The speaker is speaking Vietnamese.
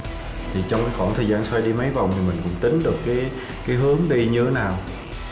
thì trong cái khoảng thời gian xoay đi mấy vòng thì mình cũng tính được cái cái hướng đi như nào